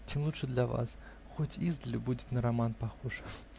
Тем лучше для вас; хоть издали будет на роман похоже.